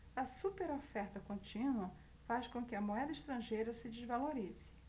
a superoferta contínua faz com que a moeda estrangeira se desvalorize